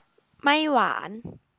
ไม่หวาน